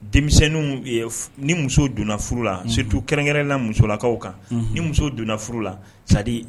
Denmisɛnninw e ɛf ni muso donna furu la surtout kɛrɛnkɛrɛn la musolakaw kan unhun ni muso donna furu la c'est à dire